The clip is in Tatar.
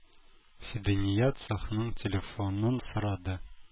Фидания цехның телефонын сорады.